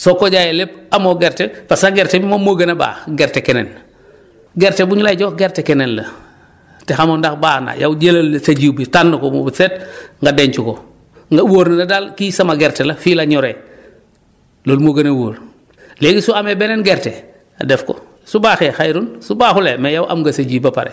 soo ko jaayee lépp amoo gerte te sa gerte bi moom moo gën a baax gerte keneen gerte bu ñu lay jox gerte keneen la te xamoo ndax baax na yow jëlal sa jiw bi tànn ko ba mu set nga denc ko nga wóor na la daal kii sama gerte la fii la ñoree loolu moo gën a wóor léegi su amee beneen gerte nga def ko su baaxee xayrun su baaxulee mais yow am nga sa ji ba pare